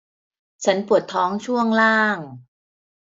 ฉันปวดท้องช่วงล่าง